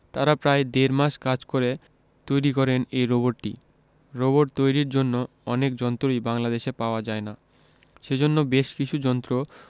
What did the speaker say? তারা প্রায় দেড় মাস কাজ করে তৈরি করেন এই রোবটটি রোবট তৈরির জন্য অনেক যন্ত্রই বাংলাদেশে পাওয়া যায় না সেজন্য বেশ কিছু যন্ত্র